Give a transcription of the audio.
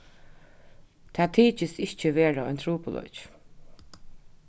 tað tykist ikki vera ein trupulleiki